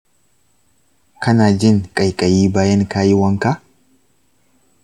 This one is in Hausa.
kana jin ƙaiƙayi bayan ka yi wanka?